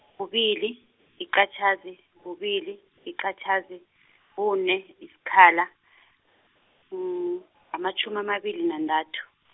kubili, yiqatjhazi, kubili, yiqatjhazi, kune, yisikhala, amatjhumi amabili nantathu.